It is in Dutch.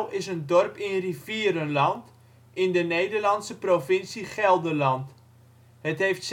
is een dorp in Rivierenland, in de Nederlandse provincie Gelderland; het heeft